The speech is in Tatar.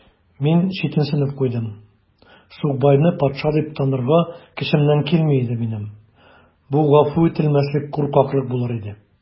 Мин читенсенеп куйдым: сукбайны патша дип танырга көчемнән килми иде минем: бу гафу ителмәслек куркаклык булыр иде.